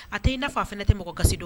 A tɛ i n fa fana tɛ mɔgɔ kasisi don